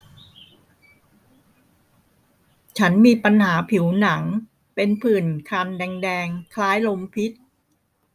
ฉันมีปัญหาผิวหนังเป็นผื่นคันแดงแดงคล้ายลมพิษ